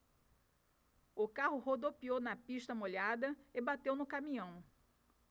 o carro rodopiou na pista molhada e bateu no caminhão